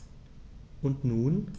Und nun?